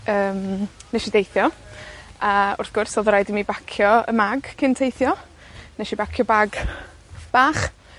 yym, nesh i deithio, a wrth gwrs odd raid i mi bacio 'ym mag cyn teithio, nesh i bacio bag bach